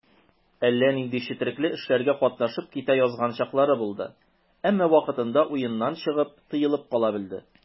Әллә нинди четрекле эшләргә катнашып китә язган чаклары булды, әмма вакытында уеннан чыгып, тыелып кала белде.